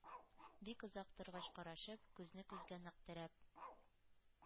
Бик озак торгач карашып, күзне күзгә нык терәп,